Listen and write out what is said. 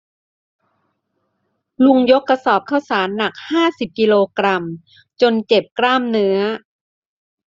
ลุงยกกระสอบข้าวสารหนักห้าสิบกิโลกรัมจนเจ็บกล้ามเนื้อ